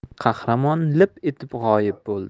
qahramon lip etib g'oyib bo'ldi